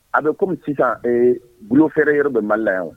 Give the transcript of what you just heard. A bɛ kɔmi sisan bolo fɛrɛɛrɛ yɔrɔ bɛ mali la yan